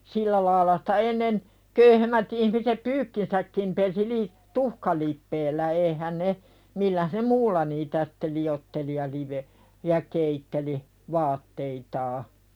sillä lailla sitä ennen köyhemmät ihmiset pyykkinsäkin pesi - tuhkalipeällä eihän ne millään ne muulla niitä sitten liotteli ja - ja keitteli vaatteitaan